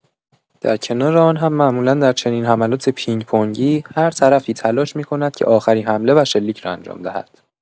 در کنار آن هم معمولا در چنین حملات پینگ‌پنگی، هر طرفی تلاش می‌کند که آخرین حمله و شلیک را انجام دهد.